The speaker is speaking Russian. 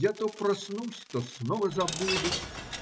Я то проснусь, то снова забудусь.